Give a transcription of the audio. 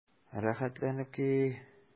Рәхәтләнеп ки!